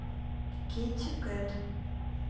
китти кэт